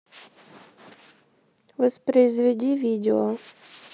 воспроизведи видео